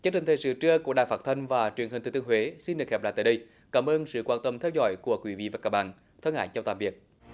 chương trình thời sự trưa của đài phát thanh và truyền hình thừa thiên huế xin được khép lại tại đây cảm ơn sự quan tâm theo dõi của quý vị và các bạn thân ái chào tạm biệt